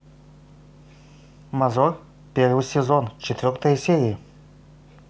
мажор первый сезон четвертая серия